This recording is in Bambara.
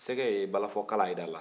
sɛgɛ ye balafɔkala jir'a la